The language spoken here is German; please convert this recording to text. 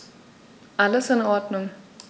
Alles in Ordnung.